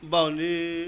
Baw